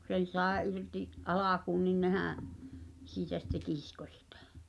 kun sen sai irti alkuun niin nehän siitä sitten kiskoi sitä